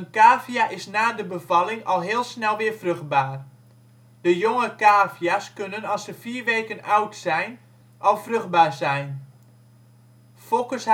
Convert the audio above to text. cavia is na de bevalling al heel snel weer vruchtbaar. De jonge cavia 's kunnen als ze 4 weken oud zijn al vruchtbaar zijn. Fokkers